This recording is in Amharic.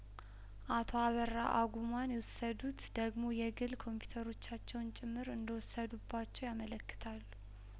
አቶ አበራ አጉማን የወሰዱት ደግሞ የግል ኮምፒውተሮቻቸውን ጭምር እንደወሰዱባቸው ያመለክ ታሉ